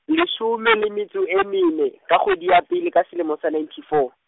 le leshome le metso e mene, ka kgwedi ya pele ka selemo sa ninety four.